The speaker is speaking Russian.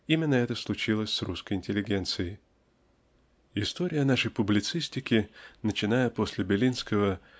Именно это случилось с русской интеллигенцией. История нашей публицистики начиная после Белинского